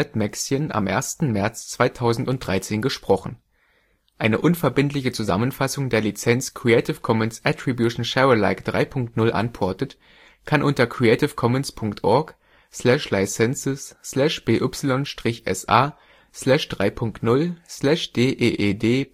Piment/Gewürznelke Ingwer